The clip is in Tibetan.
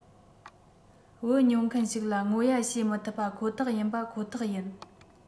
བུ མྱོང མཁན ཞིག ལ ངོ ཡ བྱེད མི ཐུབ པ ཁོ ཐག ཡིན པ ཁོ ཐག ཡིན